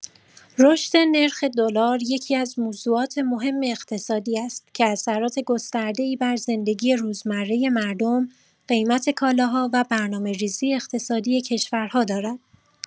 رشد نرخ دلار یکی‌از موضوعات مهم اقتصادی است که اثرات گسترده‌ای بر زندگی روزمره مردم، قیمت کالاها و برنامه‌ریزی اقتصادی کشورها دارد.